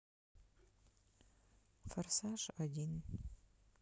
форсаж один